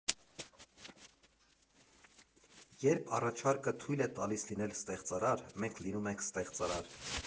Երբ առաջարկը թույլ է տալիս լինել ստեղծարար, մենք լինում ենք ստեղծարար։